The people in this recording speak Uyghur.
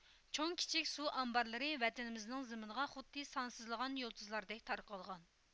چوڭ كىچىك سۇ ئامبارلىرى ۋەتىنىمىزنىڭ زېمىنىغا خۇددى سانسىزلىغان يۇلتۇزلاردەك تارقالغان